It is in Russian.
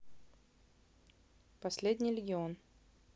последний легион